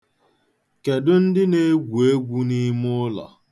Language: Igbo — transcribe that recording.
Kedụ ndị na-egwu egwu n'ime ụlọ?